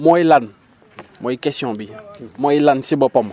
mooy lan mooy question bi mooy lan si boppam